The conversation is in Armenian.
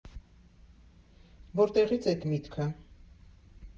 Որտեղի՞ց էդ միտքը։